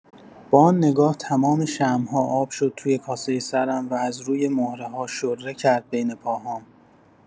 با آن نگاه تمام شمع‌ها آب شد توی کاسۀ سرم و از روی مهره‌ها شره کرد بین پاهام.